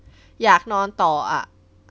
อยากนอนต่ออะ